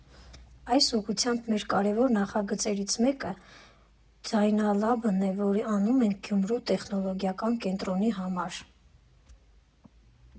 Այս ուղղությամբ մեր կարևոր նախագծերից մեկը Ձայնալաբն է, որն անում ենք Գյումրու տեխնոլոգիական կենտրոնի հետ։